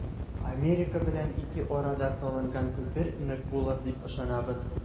Америка белән ике арада салынган күпер нык булыр дип ышанабыз.